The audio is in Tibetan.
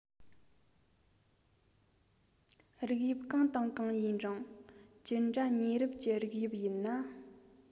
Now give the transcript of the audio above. རིགས དབྱིབས གང དང གང ཡིན རུང ཅི འདྲ ཉེ རབས ཀྱི རིགས དབྱིབས ཡིན ན